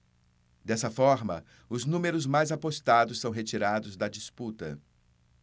dessa forma os números mais apostados são retirados da disputa